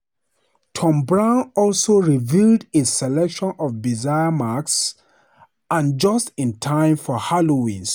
Thom Browne also revealed a selection of bizarre masks- and just in time for Halloween.